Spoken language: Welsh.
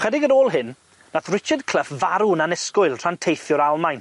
Chydig ar ôl hyn, nath Richard Clough farw yn annisgwyl tra'n teithio'r Almaen.